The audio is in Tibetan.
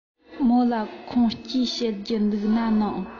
མོ ལ ཁུངས སྐྱེལ བྱེད རྒྱུ འདུག ན དང